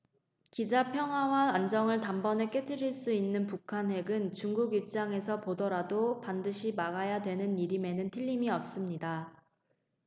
기자 평화와 안정을 단번에 깨뜨릴 수 있는 북한 핵은 중국 입장에서 보더라도 반드시 막아야 되는 일임에는 틀림이 없습니다